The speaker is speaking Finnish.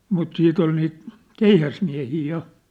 mutta sitten oli niitä keihäsmiehiä ja